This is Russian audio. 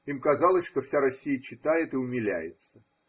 Им казалось, что вся Россия читает и умиляется.